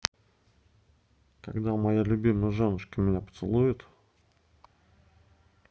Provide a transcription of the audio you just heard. когда моя любимая женушка меня поцелует